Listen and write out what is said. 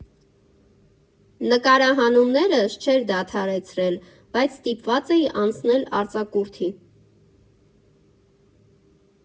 Նկարահանումներս չէի դադարեցրել, բայց ստիպված էի անցնել արձակուրդի.